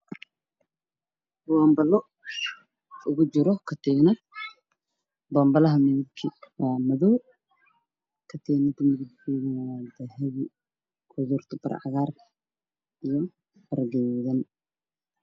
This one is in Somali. Laanbado ugu jiro katiinado laanbadaga midabkoodu waa madaw katiinadaha midabkoodu waa cagaar